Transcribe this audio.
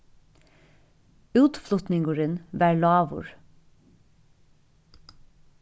útflutningurin var lágur